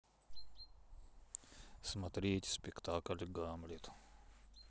смотреть спектакль гамлет